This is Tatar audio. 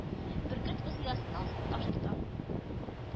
Бөркет үз оясында асылташ тота